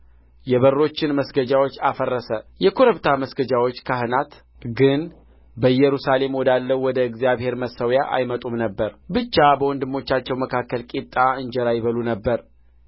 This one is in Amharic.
የበሮቹን መስገጃዎች አፈረሰ የኮረብታው መስገጃዎች ካህናት ግን በኢየሩሳሌም ወዳለው ወደ እግዚአብሔር መሠዊያ አይመጡም ነበር ብቻ በወንድሞቻቸው መካከል ቂጣ እንጀራ ይበሉ ነበር